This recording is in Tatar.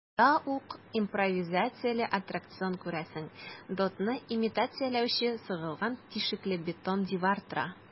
Монда ук импровизацияле аттракцион - күрәсең, дотны имитацияләүче сыгылган тишекле бетон дивар тора.